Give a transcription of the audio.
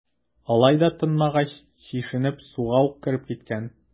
Алай да тынмагач, чишенеп, суга ук кереп киткән.